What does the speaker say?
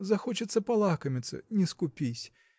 захочется полакомиться – не скупись.